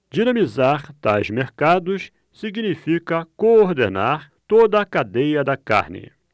dinamizar tais mercados significa coordenar toda a cadeia da carne